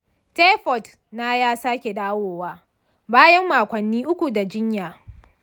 taifoid na ya sake dawowa bayan makonni uku da jinya.